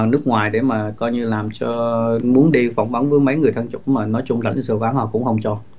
nước ngoài để mà coi như làm cho muốn đi phỏng vấn với mấy người thân chủ của mình nói chung lãnh sự quán họ cũng không cho